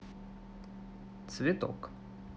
цветок